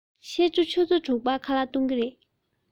ཕྱི དྲོ ཆུ ཚོད དྲུག པར ཁ ལག གཏོང གི རེད